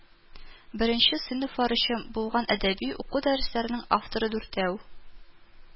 Беренче сыйныфлар өчен булган әдәби уку дәреслегенең авторы дүртәү